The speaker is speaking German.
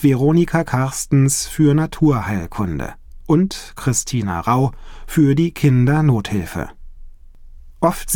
Veronica Carstens für Naturheilkunde und Christina Rau für die Kindernothilfe. Oft